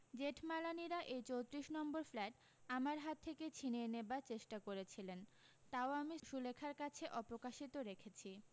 জেঠমালানিরা এই চোত্রিশ number flat আমার হাত থেকে ছিনিয়ে নেবার চেষ্টা করেছিলেন তাও আমি সুলেখার কাছে অপ্রকাশিত রেখেছি